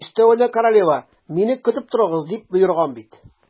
Өстәвенә, королева: «Мине көтеп торыгыз», - дип боерган бит.